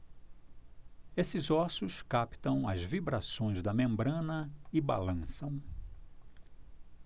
estes ossos captam as vibrações da membrana e balançam